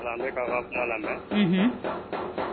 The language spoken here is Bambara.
Voila n bɛ k'aw ka lamɛn, unhun